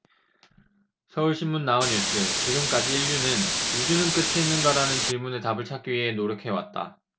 서울신문 나우뉴스 지금까지 인류는우주는 끝이 있는가 라는 질문의 답을 찾기 위해 노력해왔다